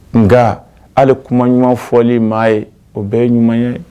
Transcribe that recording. Nka ale kuma ɲumanfɔli maa ye o bɛɛ ye ɲuman ye